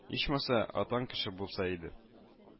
Ичмаса, атаң кеше булса иде